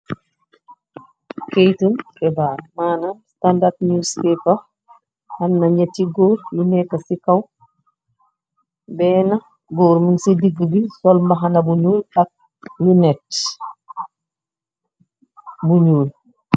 Kaytum febaar, maanam standard newspaper am na ñetti góor yi nekk ci kaw, benna góor mu ci digg bi sol mbaxana bu ñuul ak lunex bu ñuul.